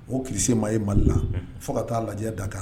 O tile si ma ye Mali la fo ka ta'a lajɛ Dakar